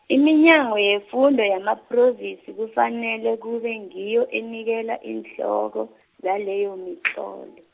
iminyango yefundo yamaPhrovinsi kufanele kube ngiyo enikela iinhloko, zaleyo mitlolo.